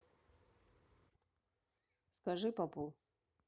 скажи попу